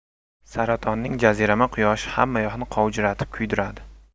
saratonning jazirama quyoshi hammayoqni qovjiratib kuydiradi